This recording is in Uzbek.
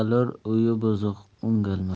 o'yi buzuq o'ngalmas